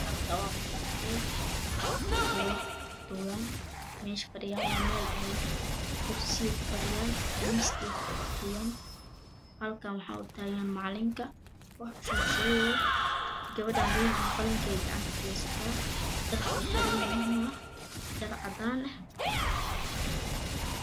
Halkaan waa meel arday oo wax ku duuwaan meesha fadhiyaan waa meel oo kursiga ku fadhiyaan miiska ay wax ku qortooyaan halkaan waxaa utaagan macalinka wax usheg sheegayo gabadhaan buug iyo qalinka gacanta ku haysataa dharka ay xiranyihiin waa dhar cadaan ah